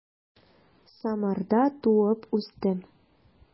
Самарда туып үстем.